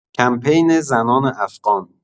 کمپین زنان افغان